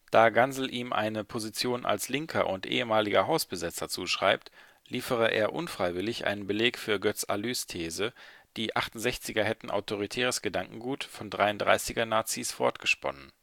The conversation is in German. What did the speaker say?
Da Gansel ihm eine Position als Linker und ehemaliger Hausbesetzer zuschreibt, liefere er unfreiwillig einen Beleg für Götz Alys These, die 68er hätten autoritäres Gedankengut von 33er-Nazis fortgesponnen